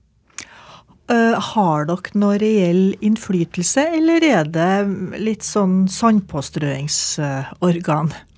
har dere noe reell innflytelse, eller er det litt sånn sandpåstrøingsorgan?